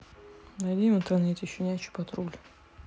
найди в интернете щенячий патруль